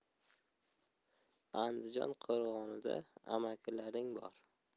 andijon qo'rg'onida amakilaring bor